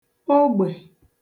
ogbè